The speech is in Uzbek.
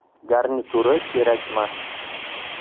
garnito'ri kerakmas